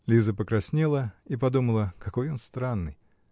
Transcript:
Лиза покраснела и подумала: какой он странный.